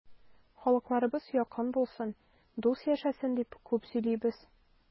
Халыкларыбыз якын булсын, дус яшәсен дип күп сөйлибез.